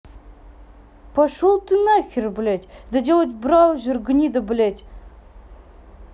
пошел ты нахер блядь доделать браузер гнида блять